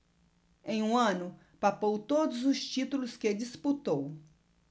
em um ano papou todos os títulos que disputou